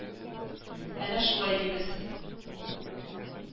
Әнә шулай дибез.